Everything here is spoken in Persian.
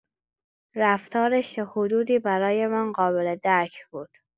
رفتارش تا حدودی برایمان قابل‌درک بود.